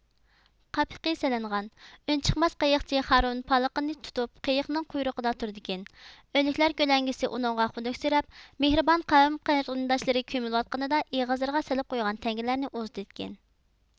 قاپىقى سېلىنغان ئۈنچىقماس قېيىقچى خارون پالىقىنى تۇتۇپ قېيىقنىڭ قۇيرۇقىدا تۇرىدىكەن ئۆلۈكلەر كۆلەڭگىسى ئۇنىڭغا خۇدۈكسىرەپ مېھرىبان قەۋىم قېرىنداشلىرى كۆمۈلۈۋاتقنىدا ئېغىزلىرىغا سېلىپ قويغان تەڭگىلەرنى ئۇزىتىدىكەن